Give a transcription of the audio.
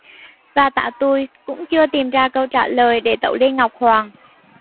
và táo tui cũng chưa tìm ra câu trả lời để tấu lên ngọc hoàng